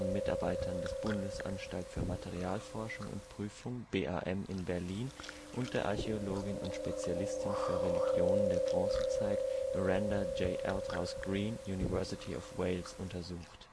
Mitarbeitern des Bundesanstalt für Materialforschung und - prüfung (BAM) in Berlin und der Archäologin und Spezialistin für Religionen der Bronzezeit Miranda J. Aldhouse-Green (Universität Wales) untersucht